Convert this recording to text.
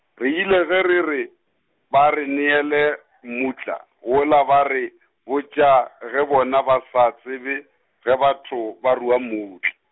re rile ge re re, ba re neele mmutla, wola ba re botša ge bona ba sa tsebe, ge batho ba rua mmutla.